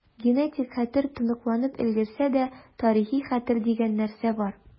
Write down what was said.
Генетик хәтер тоныкланып өлгерсә дә, тарихи хәтер дигән нәрсә бар.